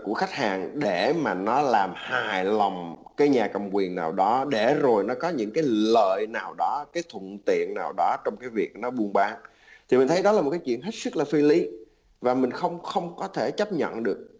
của khách hàng để mà nó làm hài lòng cái nhà cầm quyền nào đó để rồi nó có những cái lợi nào đó cái thuận tiện nào đó trong cái việc nó buôn bán thì mình thấy đó là một câu chuyện hết sức là phi lý và mình không không có thể chấp nhận được